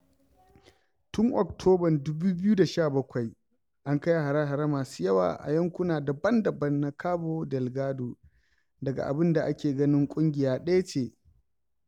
Tun Oktoban 2017, an kai hare-hare masu yawa a yankuna daban-daban na Cabo Delgado daga abin da ake ganin ƙungiya ɗaya ce.